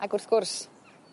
Ag wrth gwrs